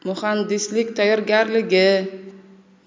muhandislik tayyorgarligi